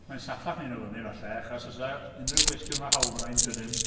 Mae'n saffach wneud nhw fyny falle achos os oes 'na unrhyw gwestiwn efo hawlfraint wedyn...